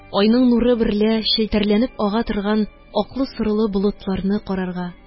Йның нуры берлә челтәрләнеп ага торган аклы-сорылы болытларны карарга